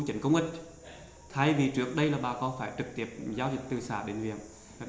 chính công ích thay vì trước đây là bà con phải trực tiếp giao dịch từ xã đến huyện